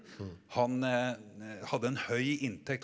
han hadde en høy inntekt.